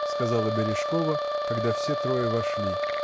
— сказала Бережкова, когда все трое вошли.